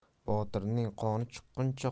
botirning qoni chiqquncha